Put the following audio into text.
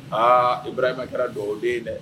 Aa i barahi ma kɛra dɔwden ye dɛ